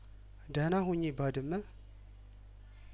ደህና ሁኚ ባድመ